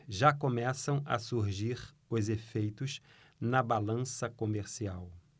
já começam a surgir os efeitos na balança comercial